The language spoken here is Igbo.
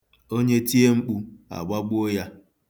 Onye tie mkpu a gbagbuo ya.